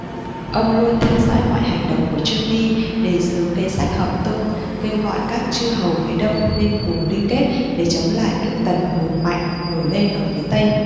ông luôn theo dõi mọi hành động của trương nghi đề xướng kế sách hợp tung kêu gọi các chư hầu phía đông nên cùng liên kết để chống lại nước tần hùng mạnh nổi lên ở phía tây